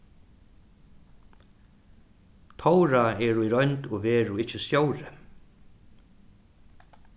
tóra er í roynd og veru ikki stjóri